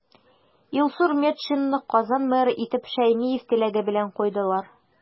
Илсур Метшинны Казан мэры итеп Шәймиев теләге белән куйдылар.